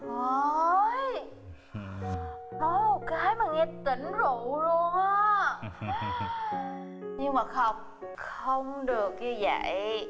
hời nói một cái mà nghe tỉnh rượu luôn á nhưng mà không không được như dậy